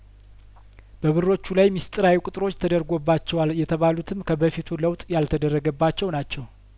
በብሮቹ ላይ ምስጢራዊ ቁጥሮች ተደርጐባቸዋል የተባሉትም ከበፊቱ ለውጥ ያልተደረገባቸው ናቸው